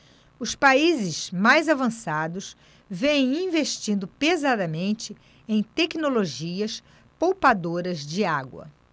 os países mais avançados vêm investindo pesadamente em tecnologias poupadoras de água